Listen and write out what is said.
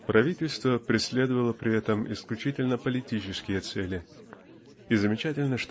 Правительство преследовало при этом исключительно политические цели. И замечательно